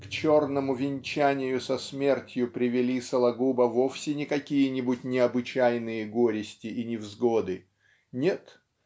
к черному венчанию со смертью привели Сологуба вовсе не какие-нибудь необычайные горести и невзгоды нет